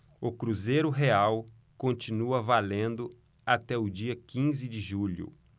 o cruzeiro real continua valendo até o dia quinze de julho